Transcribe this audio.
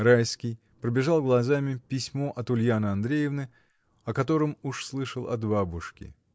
Райский пробежал глазами письмо от Ульяны Андреевны, о котором уж слышал от бабушки.